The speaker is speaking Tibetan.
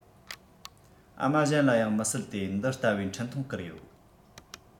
ཨ མ གཞན ལ ཡང མི སྲིད དེ འདི ལྟ བུའི འཕྲིན ཐུང བསྐུར ཡོད